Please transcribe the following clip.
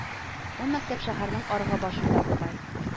Ул мәктәп шәһәрнең аргы башында бугай